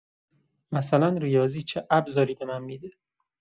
مثلا ریاضی چه ابزاری به من می‌ده؟